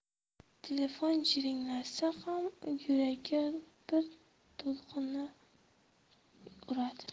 telefon jiringlasa ham yuragi bir to'lqin uradi